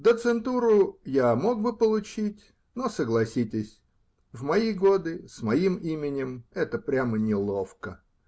Доцентуру я мог бы получить, но согласитесь -- в мои годы, с моим именем, это прямо неловко.